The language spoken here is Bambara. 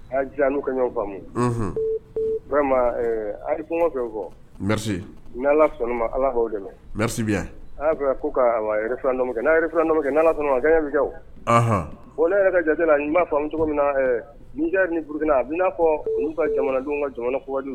Jan n'u ka ɲɔgɔn faamumu agɔ fɛ fɔ n ala sɔnna ma alah de la ko k' makɛ nre kɛ n ala o ne yɛrɛ jate la n b'a faamu cogo min na ni diyara ni burukinana a bɛnaafɔ fɔ olu ka jamana ka jamana